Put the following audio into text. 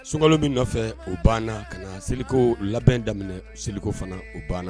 Sunkalo min nɔfɛ u banna ka na seliko labɛn daminɛ seli fana u banna